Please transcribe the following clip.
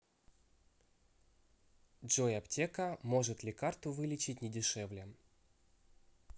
джой аптека может ли карту вылечить не дешевле